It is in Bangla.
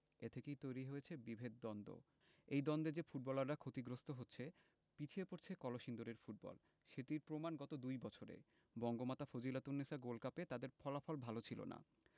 এ থেকেই তৈরি হয়েছে বিভেদ দ্বন্দ্ব এই দ্বন্দ্বে যে ফুটবলাররা ক্ষতিগ্রস্ত হচ্ছে পিছিয়ে পড়ছে কলসিন্দুরের ফুটবল সেটির প্রমাণ গত দুই বছরে বঙ্গমাতা ফজিলাতুন্নেছা গোল্ড কাপে তাদের ফলাফল ভালো ছিল না